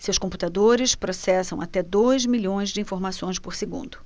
seus computadores processam até dois milhões de informações por segundo